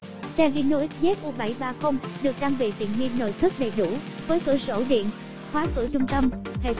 xe hino xzu được trang bị tiện nghi nội thất đầy đủ với cửa sổ điện khóa cửa trung tâm